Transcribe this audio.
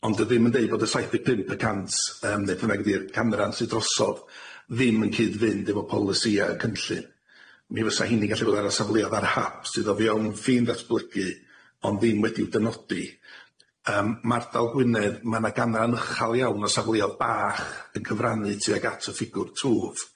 Ond di o ddim yn deud bod y saith deg pump y cant yym ne' beth bynnag ydi'r canran sy drosodd ddim yn cyd-fynd efo polisia y cynllun mi fysa heini'n gallu bod ar y safleodd ar hap sydd o fewn ffin datblygu ond ddim wedi'w dynodi yym ma ardal Gwynedd ma' 'na ganran uchal iawn o safleodd bach yn cyfrannu tuag at y ffigwr twf.